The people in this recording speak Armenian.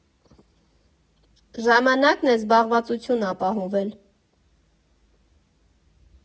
«Ժամանակն է զբաղվածություն ապահովել։